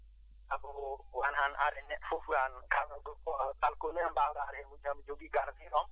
sabu wona aan ari neɗɗo fof kalnoɗo ɗum fof kal kone mbawa rende jogii ngardiɗo ma